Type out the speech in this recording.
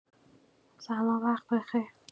سلام وقت بخیر